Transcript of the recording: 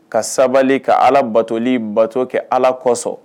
Ka sabali ka Ala batoli bato kɛ Ala kɔsɔn.